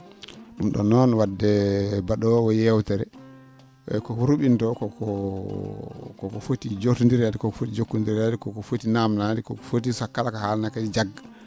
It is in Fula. ?um ?on noon wadde mba?oowo yeewtere e ko hur?intoo ko ko foti jo?onndireede ko ko jokkonndireede ko ko foti naamnaade ko ko foti kala ko haalanaa kadi jagga